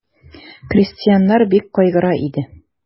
Крестьяннар бик кайгыра иде.